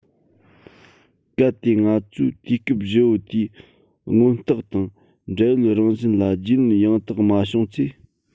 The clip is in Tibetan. གལ ཏེ ང ཚོས དུས སྐབས བཞི བོ དེའི མངོན རྟགས དང འབྲེལ ཡོད རང བཞིན ལ རྒྱུས ལོན ཡང དག མ བྱུང ཚེ